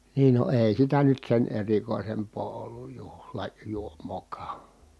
niin no ei sitä nyt sen erikoisempaa ollut - juhlajuomaakaan